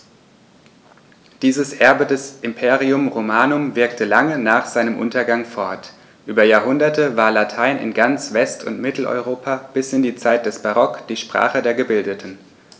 Dieses Erbe des Imperium Romanum wirkte lange nach seinem Untergang fort: Über Jahrhunderte war Latein in ganz West- und Mitteleuropa bis in die Zeit des Barock die Sprache der Gebildeten.